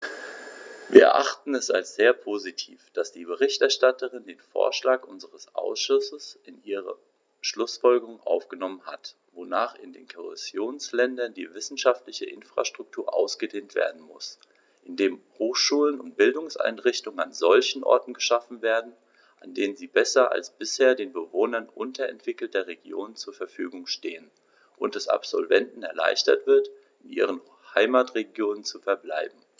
Wir erachten es als sehr positiv, dass die Berichterstatterin den Vorschlag unseres Ausschusses in ihre Schlußfolgerungen aufgenommen hat, wonach in den Kohäsionsländern die wissenschaftliche Infrastruktur ausgedehnt werden muss, indem Hochschulen und Bildungseinrichtungen an solchen Orten geschaffen werden, an denen sie besser als bisher den Bewohnern unterentwickelter Regionen zur Verfügung stehen, und es Absolventen erleichtert wird, in ihren Heimatregionen zu verbleiben.